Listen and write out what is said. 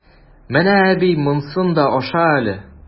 Менә, әби, монсын да аша әле!